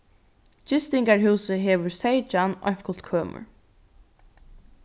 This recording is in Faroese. gistingarhúsið hevur seytjan einkultkømur